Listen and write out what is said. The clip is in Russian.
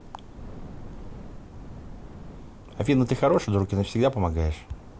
афина ты хороший друг и всегда помогаешь